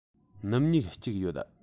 སྣུམ སྨྱུག གཅིག ཡོད